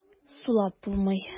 Сулап булмый.